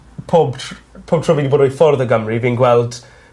pob tr- pob tro fi 'di bod i ffwrdd o Gymru i fi'n gweld